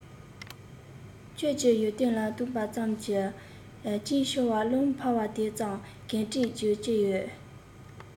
ཁྱོད ཀྱི ཡོན ཏན ལ བཏུངས པ ཙམ གྱིས གཅིན ཤོར བ རླུང འཕར བ དེ ཙམ གས དྲིན རྒྱུ ཅི ཡོད